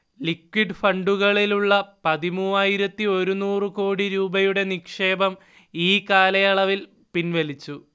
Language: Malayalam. ലിക്വിഡ് ഫണ്ടുകളിലുള്ള പതിമൂവായിരത്തിഒരുന്നൂറ് കോടി രൂപയുടെ നിക്ഷേപം ഈ കാലയളവിൽ പിൻവലിച്ചു